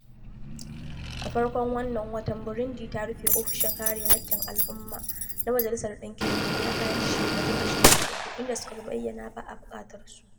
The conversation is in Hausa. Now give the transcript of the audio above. A farkon wannan watan, Burundi ta rufe ofishin kare haƙƙin al'umma na Majalisar ɗinkin Duniya bayan shekaru 23, inda suka bayyana ba a buƙatarsa.